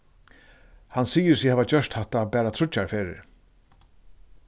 hann sigur seg hava gjørt hatta bara tríggjar ferðir